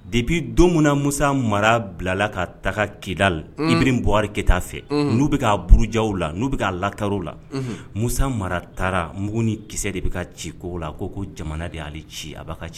De bi don munna mu mara bilala ka taga kida ibri buwari keta fɛ n'u bɛurujaw la n'u bɛ'a lakaw la musa mara taara mugu ni kisɛ de bɛ ciko la ko ko jamana de y'ale ci a b'a ka ci